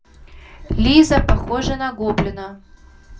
лиза похожа на гоблина